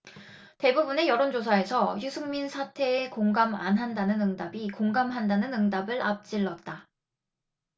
대부분의 여론조사에서 유승민 사퇴에 공감 안 한다는 응답이 공감한다는 응답을 앞질렀다